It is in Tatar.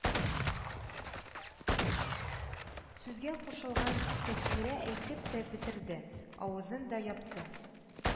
Сүзгә кушылган Тәскирә әйтеп тә бетерде, авызын да япты